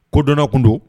Kodɔnna tun don